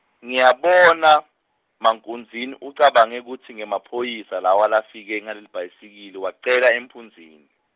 ngiyabona, mankunzini ucabange kutsi ngemaphoyisa lawa lefika ngelibhayisikili wacela empunzini.